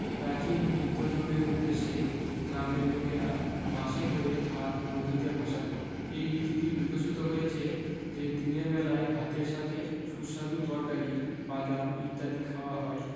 প্রাচীন বিদ্দ্বজনের উদ্দেশ্যে গ্রামের লোকেরা বাঁশে করে ভাত নদীতে ভাসাতো এই রীতিটি বিকশিত হয়েছে যে দিনের বেলায় ভাতের সাথে সুস্বাদু তরকারী বাদাম ইত্যাদি খাওয়া হয়